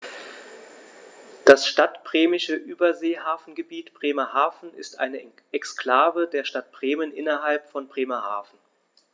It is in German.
Das Stadtbremische Überseehafengebiet Bremerhaven ist eine Exklave der Stadt Bremen innerhalb von Bremerhaven.